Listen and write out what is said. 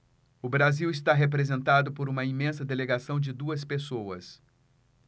o brasil está representado por uma imensa delegação de duas pessoas